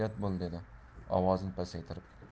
ehtiyot bo'l dedi ovozini pasaytirib